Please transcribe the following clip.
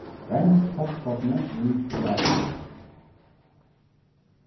vend poppkornið í sjokulátuni